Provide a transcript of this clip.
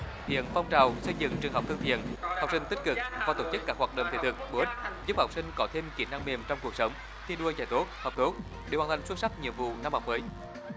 hiện phong trào xây dựng trường học thân thiện học sinh tích cực có tổ chức các hoạt động thiết thực bổ ích giúp học sinh có thêm kỹ năng mềm trong cuộc sống thi đua dạy tốt học tốt để hoàn thành xuất sắc nhiệm vụ năm học mới